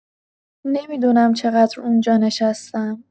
نمی‌دونم چقدر اونجا نشستم.